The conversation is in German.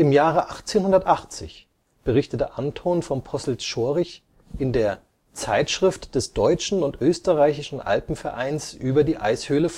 Jahre 1880 berichtete Anton von Posselt-Czorich in der Zeitschrift des Deutschen und Österreichischen Alpenvereins über die Eishöhle